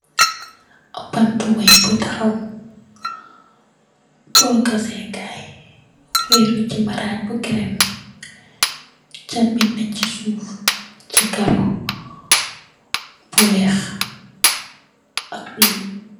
Bantu weungh bu takhaw, pur gaaseh kaiii, mu wehhru chi marajj bu creme, chhat bii neh chi suff, chi kaaroh bu wekh ak bleu.